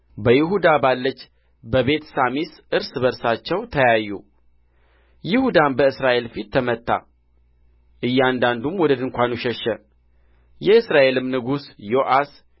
በይሁዳ ባለች በቤት ሳሚስ እርስ በርሳቸው ተያዩ ይሁዳም በእስራኤል ፊት ተመታ እያንዳንዱም ወደ ድንኳኑ ሸሸ የእስራኤልም ንጉሥ ዮአስ